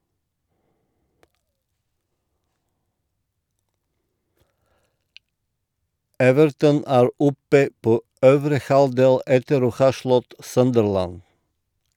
Everton er oppe på øvre halvdel, etter å ha slått Sunderland.